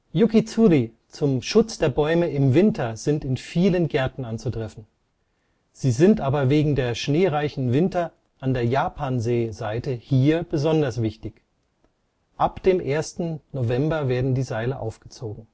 Yukitsuri zum Schutz der Bäume im Winter sind in vielen Gärten anzutreffen. Sie sind aber wegen der schneereichen Winter an der Japansee-Seite hier besonders wichtig. Ab 1. November werden die Seile aufgezogen